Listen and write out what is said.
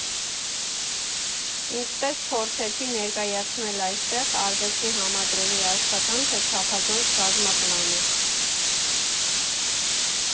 Ինչպես փորձեցի ներկայացնել այստեղ, արվեստի համադրողի աշխատանքը չափազանց բազմապլան է։